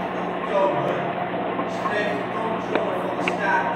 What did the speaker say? Op 8 oktober schreef de comptroller van de staat